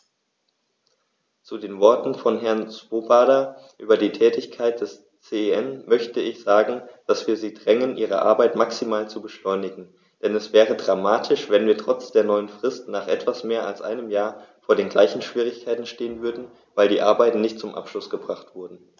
Zu den Worten von Herrn Swoboda über die Tätigkeit des CEN möchte ich sagen, dass wir sie drängen, ihre Arbeit maximal zu beschleunigen, denn es wäre dramatisch, wenn wir trotz der neuen Frist nach etwas mehr als einem Jahr vor den gleichen Schwierigkeiten stehen würden, weil die Arbeiten nicht zum Abschluss gebracht wurden.